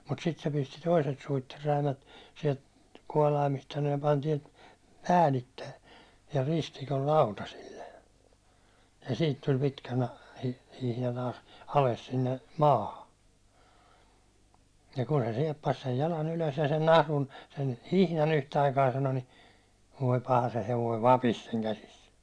mutta sitten se pisti toiset suitsenräimät sieltä kuolaimista sanoi ja pani täältä päällitse ja ristikon lautasille ja siitä tuli pitkä - hihna - alas sinne maahan ja kun se sieppasi sen jalan ylös ja sen nahlun sen hihnan yhtä aikaa sanoi niin voi paha se hevonen vapisi sen käsissä